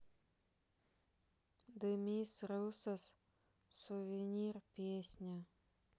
демис русос сувенир песня